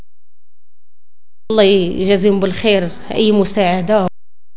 الله يجزيكم بالخير اي مساعده